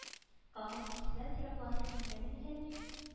Колхоз председәтеле буласы килмәде микәнни